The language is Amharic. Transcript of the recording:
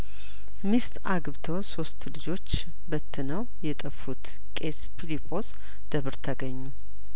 ሚስት አግብተው ሶስት ልጆችበት ነው የጠፉት ቄስ ፊሊጶስ ደብር ተገኙ